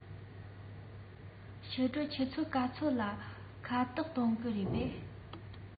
ཕྱི དྲོ ཆུ ཚོད ག ཚོད ལ ཁ ལག གཏོང གི རེད པས